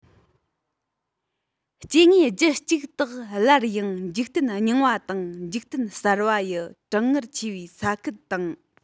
སྐྱེ དངོས རྒྱུད གཅིག དག སླར ཡང འཇིག རྟེན རྙིང བ དང འཇིག རྟེན གསར པ ཡི གྲང ངར ཆེ བའི ས ཁུལ དང